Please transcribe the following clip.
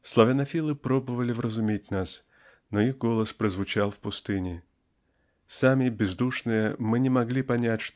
Славянофилы пробовали вразумить нас, но их голос прозвучал в пустыне. Сами бездушные мы не могли понять